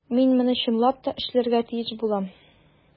Мин моны чынлап та эшләргә тиеш булам.